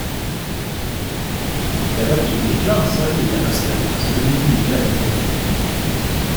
Det var innvikla sa Ingjerd Østrem, som kunne juble etter triumfen.